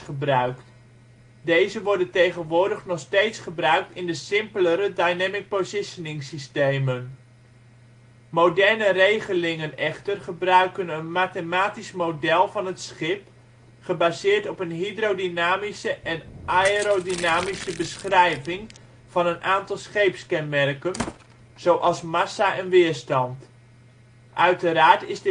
gebruikt. Deze worden tegenwoordig nog steeds gebruikt in de simpelere dynamic positioning-systemen. Moderne regelingen echter gebruiken een mathematisch model van het schip, gebaseerd op een hydrodynamische en aërodynamische beschrijving van een aantal scheepskenmerken, zoals massa en weerstand. Uiteraard is